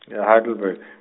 ya Heidelberg.